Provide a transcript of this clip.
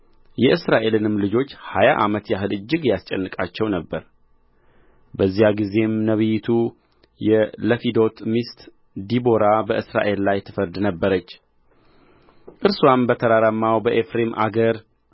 የእስራኤልንም ልጆች ሀያ ዓመት ያህል እጅግ ያስጨንቃቸው ነበር በዚያ ጊዜም ነቢይቱ የለፊዶት ሚስት ዲቦራ በእስራኤል ላይ ትፈርድ ነበረች እርስዋም በተራራማው በኤፍሬም አገር